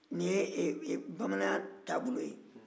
nin ye bamananya taabolo ye